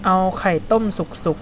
เอาไข่ต้มสุกสุก